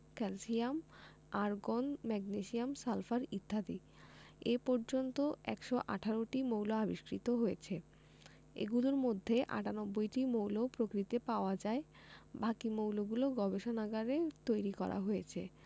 calcium argon magnesium sulphur ইত্যাদি এ পর্যন্ত ১১৮টি মৌল আবিষ্কৃত হয়েছে এগুলোর মধ্যে ৯৮টি মৌল প্রকৃতিতে পাওয়া যায় বাকি মৌলগুলো গবেষণাগারে তৈরি করা হয়েছে